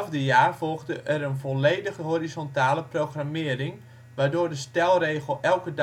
jaar volgde er een volledig horizontale programmering, waardoor de stelregel " elke